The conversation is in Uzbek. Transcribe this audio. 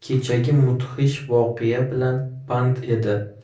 kechagi mudhish voqea bilan band edi